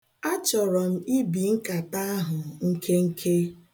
A chọrọ ibi nkata ahụ nkenke.